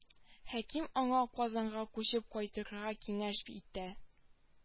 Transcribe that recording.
Хәким аңа казанга күчеп кайтырга киңәш итә